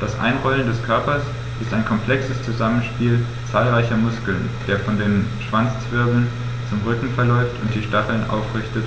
Das Einrollen des Körpers ist ein komplexes Zusammenspiel zahlreicher Muskeln, der von den Schwanzwirbeln zum Rücken verläuft und die Stacheln aufrichtet,